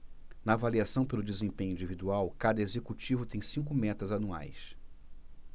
na avaliação pelo desempenho individual cada executivo tem cinco metas anuais